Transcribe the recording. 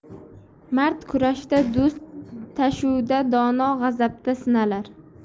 mard kurashda do'st tashvishda dono g'azabda sinalar